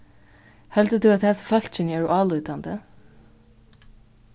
heldur tú at hasi fólkini eru álítandi